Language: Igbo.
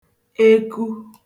eku